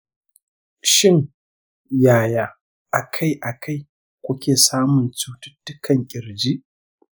shin yaya akai-akai kuke samun cututtukan ƙirji?